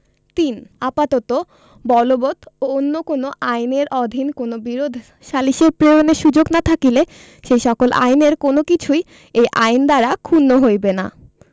৩ আপাতত বলবৎ অন্য কোন আইনের অধীন কোন বিরোধ সালিসে প্রেরণের সুযোগ না থাকিলে সেই সকল আইনের কোন কিছুই এই আইন দ্বারা ক্ষুণ্ণ হইবে না